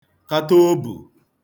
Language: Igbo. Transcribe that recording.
kata obù